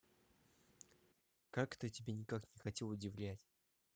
как это я тебе никак не хотела удивлять